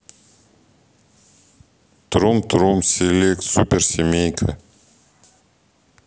трум трум селект супер семейка